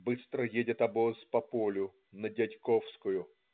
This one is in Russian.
Быстро едет обоз по полю на Дядьковскую.